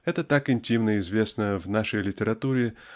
-- это так интимно известно в нашей литературе